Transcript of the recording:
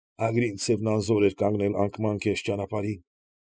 Ագրինցևն անզոր էր կանգնել անկման կես ճանապարհին։